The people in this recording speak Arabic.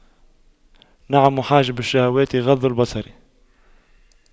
نعم حاجب الشهوات غض البصر